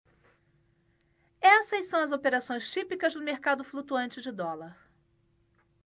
essas são as operações típicas do mercado flutuante de dólar